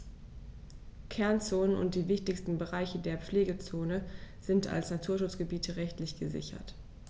Kernzonen und die wichtigsten Bereiche der Pflegezone sind als Naturschutzgebiete rechtlich gesichert.